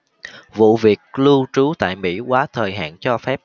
vụ việc lưu trú tại mỹ quá thời hạn cho phép